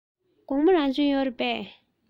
དགོང མོ རང སྦྱོང ཡོད རེད པས